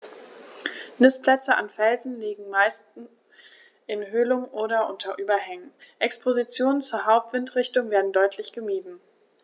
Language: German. Nistplätze an Felsen liegen meist in Höhlungen oder unter Überhängen, Expositionen zur Hauptwindrichtung werden deutlich gemieden.